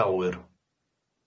dalwyr.